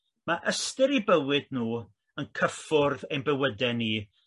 ma' ystyr i bywyd n'w yn cyffwrdd ein bywyde ni